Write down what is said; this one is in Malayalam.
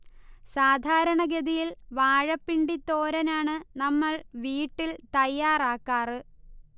സാധാരണഗതിയിൽ വാഴപ്പിണ്ടി തോരനാണ് നമ്മൾ വീട്ടിൽ തയ്യാറാക്കാറ്